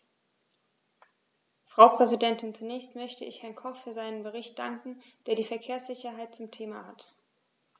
Frau Präsidentin, zunächst möchte ich Herrn Koch für seinen Bericht danken, der die Verkehrssicherheit zum Thema hat.